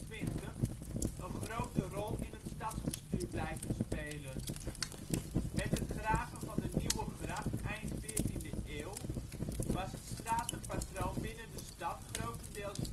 1528 een grote rol in het stadsbestuur blijven spelen. Met het graven van de Nieuwegracht eind veertiende eeuw was het stratenpatroon binnen de stad grotendeels